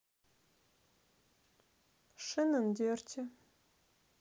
шеннон дерти